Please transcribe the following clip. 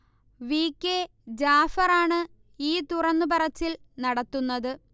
V. K. Jafar ആണ് ഈ തുറന്നു പറച്ചിൽ നടത്തുന്നത്